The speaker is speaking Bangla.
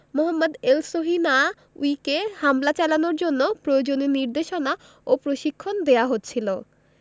মোহাম্মদ এলসহিনাউয়িকে হামলা চালানোর জন্য প্রয়োজনীয় নির্দেশনা ও প্রশিক্ষণ দেওয়া হচ্ছিল